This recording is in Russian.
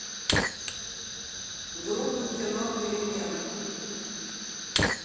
группа кино перемен